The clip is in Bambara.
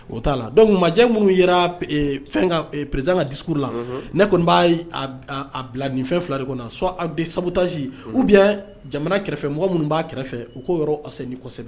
O t'a la don majɛ minnu yɛrɛ fɛn perez ka diurun la ne kɔni b'aa bila nin fɛn fila de kɔnɔ sɔn sabutasi u bi jamana kɛrɛfɛ mɔgɔ minnu b'a kɛrɛfɛ u k ko yɔrɔ ase kosɛbɛ